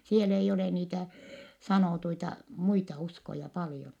siellä ei ole niitä sanottuja muita uskoja paljon